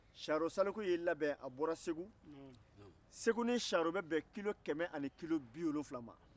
saro saliku y'i labɛn a bɔra segu segu ni charo bɛ bɛn kilo kɛmɛ ni bi wolonwula ma